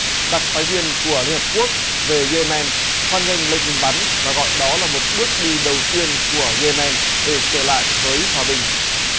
đặc phái viên của liên hiệp quốc về dê men hoan nghênh lệnh ngừng bắn và gọi đó là một bước đi đầu tiên của dê men để trở lại với hòa bình